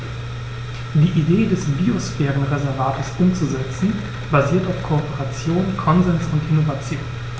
Die Idee des Biosphärenreservates umzusetzen, basiert auf Kooperation, Konsens und Innovation.